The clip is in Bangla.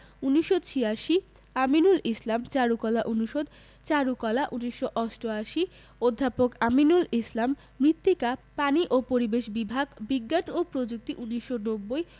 ১৯৮৬ আমিনুল ইসলাম চারুকলা অনুষদ চারুকলা ১৯৮৮ অধ্যাপক আমিনুল ইসলাম মৃত্তিকা পানি ও পরিবেশ বিভাগ বিজ্ঞান ও প্রযুক্তি ১৯৯০